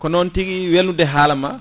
ko noon tigui welnude haalama